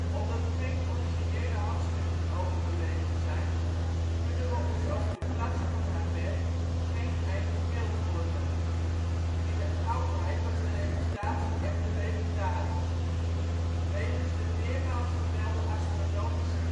Omdat geen originele handschriften overgeleverd zijn, kunnen we ons over de klasse van haar werk geen eigen beeld vormen. In de oudheid was haar reputatie echter legendarisch. Wegens de meermaals vermelde astronomische